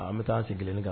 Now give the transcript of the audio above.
An bɛ taa sigi kelen kan